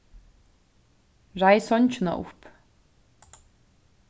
reið songina upp